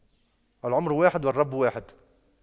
العمر واحد والرب واحد